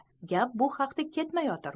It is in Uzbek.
gap bu haqda ketmayotir